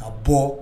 Ka bɔ